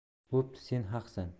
bo'pti sen haqsan